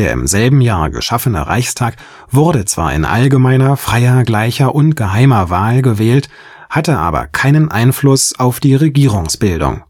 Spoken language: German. im selben Jahr geschaffene Reichstag wurde zwar in allgemeiner, freier, gleicher und geheimer Wahl gewählt, hatte aber keinen Einfluss auf die Regierungsbildung